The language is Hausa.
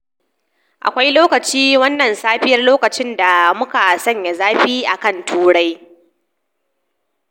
Akwai lokaci wannan safiyar lokacin da muka sanya zafi kan Turai.